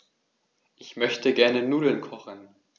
Ich möchte gerne Nudeln kochen.